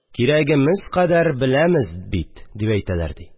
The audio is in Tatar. Кирәгемез кадәр беләмез бит», – дип әйтәләр, ди